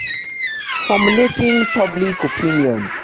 Formulating Public Opinion